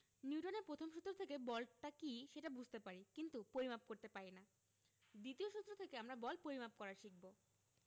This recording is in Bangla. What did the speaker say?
নিউটনের প্রথম সূত্র থেকে বলটা কী সেটা বুঝতে পারি কিন্তু পরিমাপ করতে পারি না দ্বিতীয় সূত্র থেকে আমরা বল পরিমাপ করা শিখব